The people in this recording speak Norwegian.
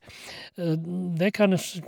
Det kan sj...